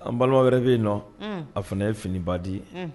An balima wɛrɛ bɛ yen nɔ, un, a fana ye finiba di, un